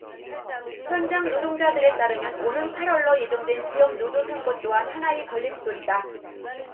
현장 노동자들에 따르면 오는 팔 월로 예정된 기업노조 선거 또한 하나의 걸림돌이다